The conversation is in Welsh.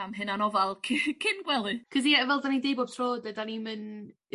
am hunanofal c- cyn gwely. 'C'os ia fel 'dan ni'n deu bob tro dydan ni'm yn